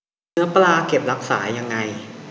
เนื้อปลาเก็บรักษายังไง